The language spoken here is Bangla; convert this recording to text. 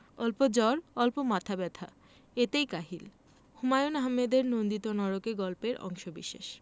অল্প জ্বর অল্প মাথা ব্যাথা এতেই কাহিল হুমায়ুন আহমেদের নন্দিত নরকে গল্পের অংশবিশেষ